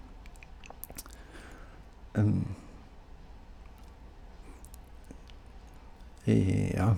Ja.